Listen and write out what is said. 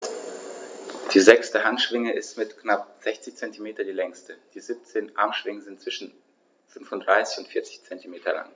Die sechste Handschwinge ist mit knapp 60 cm die längste. Die 17 Armschwingen sind zwischen 35 und 40 cm lang.